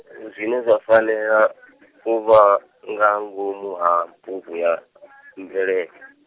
zwine zwa fanela , u vha, nga ngomu ha, bugu ya mvelele.